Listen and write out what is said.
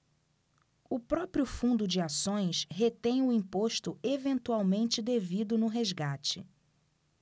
o próprio fundo de ações retém o imposto eventualmente devido no resgate